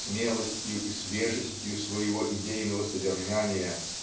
смелостью и свежестью своего идейного содержания